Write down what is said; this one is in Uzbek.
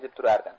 deb turardi